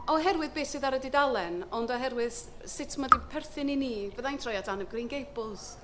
oherwydd beth sydd ar y dudalen, ond oherwydd s- sut ma' 'di perthyn i ni, fydda i'n troi at Anne of Green Gables.